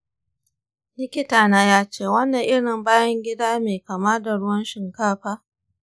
likitana ya ce wannan irin bayan gida mai kama da ruwan shinkafa.